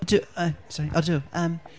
D- y- sori. Ydw, yym.